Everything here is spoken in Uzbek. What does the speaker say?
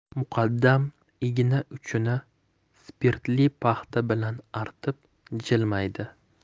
muqaddam igna uchini spirtli paxta bilan artib jilmaydi